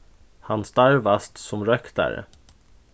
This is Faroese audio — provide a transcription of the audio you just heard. hann starvast sum røktari